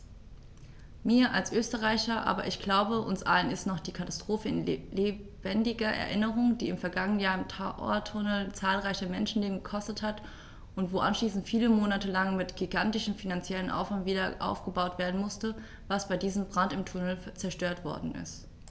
Mir als Österreicher, aber ich glaube, uns allen ist noch die Katastrophe in lebendiger Erinnerung, die im vergangenen Jahr im Tauerntunnel zahlreiche Menschenleben gekostet hat und wo anschließend viele Monate lang mit gigantischem finanziellem Aufwand wiederaufgebaut werden musste, was bei diesem Brand im Tunnel zerstört worden ist.